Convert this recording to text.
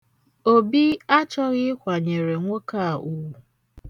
Obi achọghị ịkwanyere nwoke a ugwu.